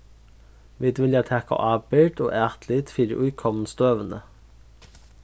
vit vilja taka ábyrgd og atlit fyri íkomnu støðuni